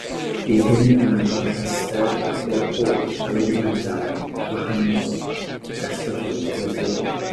Bydd hyn yn agor rhester o'r holl aliniadau wahanol y gallwch eu defnyddio.